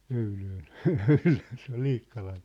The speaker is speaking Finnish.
öylöön ja öylöön se oli Liikkalan